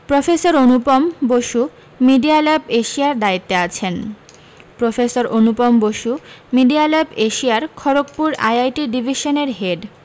professor Anupam Basu media lab এশিয়ার দায়িত্বে আছেন professor Anupam Basu media lab এশিয়ার খড়গপুর আইআইটি ডিভিশনের হেড